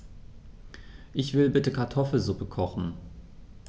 Ich will bitte Kartoffelsuppe kochen.